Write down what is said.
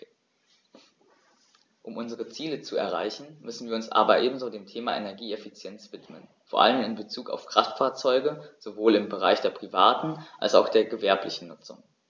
Um unsere Ziele zu erreichen, müssen wir uns aber ebenso dem Thema Energieeffizienz widmen, vor allem in Bezug auf Kraftfahrzeuge - sowohl im Bereich der privaten als auch der gewerblichen Nutzung.